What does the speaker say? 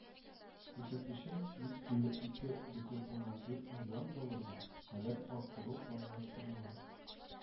Күрсәткечен йөз илле ике, дүрт миллион долларга кадәр арттыру планлаштырыла